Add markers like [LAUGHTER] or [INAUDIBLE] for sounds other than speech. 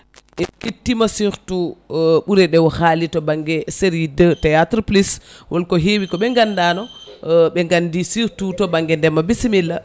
en kettima surtout e ɓuure ɗe o haali ɗe to banggue série 2 théâtre plus holko hewi kooɓe gandano [HESITATION] ɓe gandi surtout to banggue ndeema bissimilla